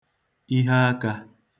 ihe akā